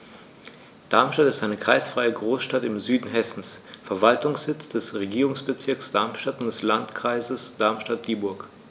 Darmstadt ist eine kreisfreie Großstadt im Süden Hessens, Verwaltungssitz des Regierungsbezirks Darmstadt und des Landkreises Darmstadt-Dieburg.